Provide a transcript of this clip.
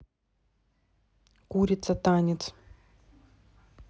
курица танец